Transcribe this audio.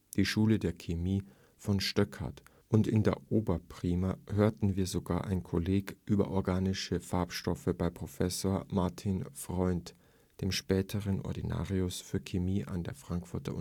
Die Schule der Chemie “von Stöckhardt, und in der Oberprima hörten wir sogar ein Kolleg über organische Farbstoffe bei Professor Martin Freund, dem späteren Ordinarius für Chemie an der Frankfurter